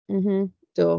M-hm. Do.